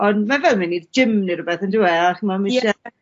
Ond ma' fel myn' i'r gym ne' rwbeth on'd yw e a ch'mo ma' isie